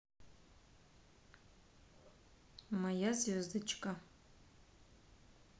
моя звездочка